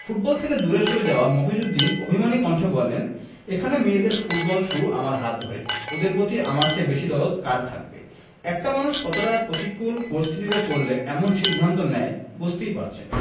football থেকে দূরে সরে যাওয়া মফিজ উদ্দিন অভিমানী কণ্ঠে বললেন এখানে মেয়েদের ফুটবল শুরু আমার হাত ধরেই ওদের প্রতি আমার চেয়ে বেশি দরদ কার থাকবে একটা মানুষ কতটা প্রতিকূল পরিস্থিতিতে পড়লে এমন সিদ্ধান্ত নেয় বুঝতেই পারছেন